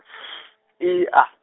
F, I A.